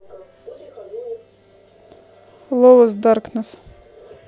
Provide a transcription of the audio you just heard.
ловэс даркнесс